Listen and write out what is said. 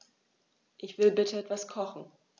Ich will bitte etwas kochen.